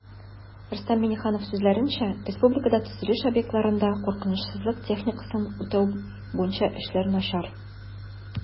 Рөстәм Миңнеханов сүзләренчә, республикада төзелеш объектларында куркынычсызлык техникасын үтәү буенча эшләр начар